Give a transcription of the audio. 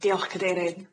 Yy diolch Cadeirydd.